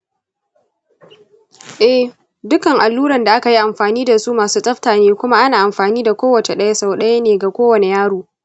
eh, dukkan allura da aka yi amfani da su masu tsafta ne kuma ana amfani da kowace ɗaya sau ɗaya ne ga kowane yaro.